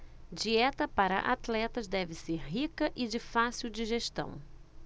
dieta para atletas deve ser rica e de fácil digestão